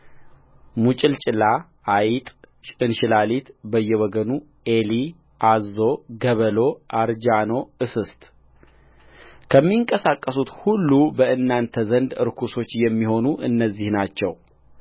ሙጭልጭላ አይጥ እንሽላሊት በየወገኑኤሊ አዞ ገበሎ አርጃኖ እስስትከሚንቀሳቀሱት ሁሉ በእናንተ ዘንድ ርኩሶች የሚሆኑ እነዚህ ናቸው